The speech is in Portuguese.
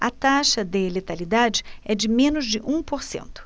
a taxa de letalidade é de menos de um por cento